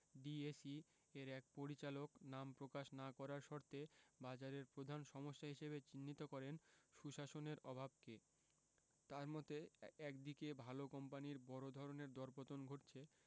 DSE এর এক পরিচালক নাম প্রকাশ না করার শর্তে বাজারের প্রধান সমস্যা হিসেবে চিহ্নিত করেন সুশাসনের অভাবকে তাঁর মতে একদিকে ভালো কোম্পানির বড় ধরনের দরপতন ঘটছে